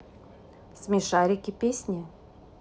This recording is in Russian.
смешарики песни